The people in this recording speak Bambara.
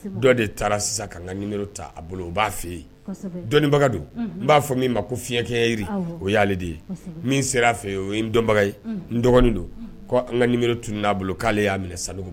Dɔ de taara sisan'an ka ni taa bolo o b'a fɛ yen dɔnnibaga don n b'a fɔ min ma ko fiɲɛkɛri o y'ale de ye min sera'a fɛ yen o ye n dɔnbaga ye n dɔgɔnin don an ka tun n'a bolo k'ale y'a minɛ sali